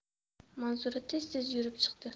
manzura tez tez yurib chiqdi